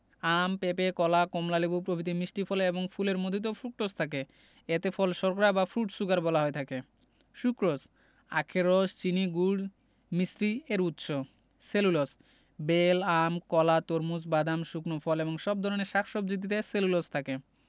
আম পেপে কলা কমলালেবু প্রভৃতি মিষ্টি ফলে এবং ফুলের মধুতে ফ্রুকটোজ থাকে এতে ফল শর্করা বা ফ্রুট শুগার বলা হয়ে থাকে সুক্রোজ আখের রস চিনি গুড় মিছরি এর উৎস সেলুলোজ বেল আম কলা তরমুজ বাদাম শুকনো ফল এবং সব ধরনের শাক সবজিতিতে সেলুলোজ থাকে